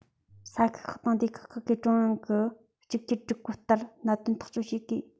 ས ཁུལ ཁག དང སྡེ ཁག ཁག གིས ཀྲུང དབྱང གི གཅིག འགྱུར བཀོད སྒྲིག ལྟར གནད དོན ཐག གཅོད བྱེད དགོས